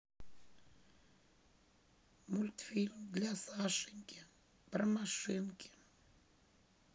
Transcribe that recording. мультфильм для сашеньки про машинки